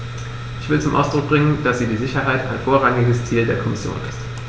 Ich will zum Ausdruck bringen, dass die Sicherheit ein vorrangiges Ziel der Kommission ist.